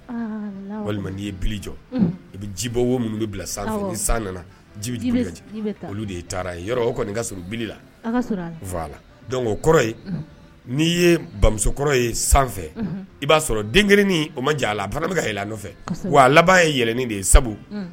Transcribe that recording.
Walima ye jɔ i bɛ ji bɔ bila san nana ji ka olu de taara ka sɔrɔ la kɔrɔ n' ye bamusokɔrɔ ye sanfɛ i b'a sɔrɔ denkin o ma jan a la a fana bɛka ka yɛlɛ nɔfɛ wa laban ye yɛlɛ de ye sabu